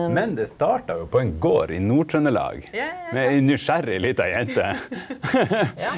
men det starta jo på ein gard i Nord-Trøndelag med ei nysgjerrig lita jente .